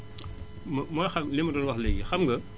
moo xam li mu doon wax léegi xam nga